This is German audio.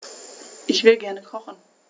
Ich will gerne kochen.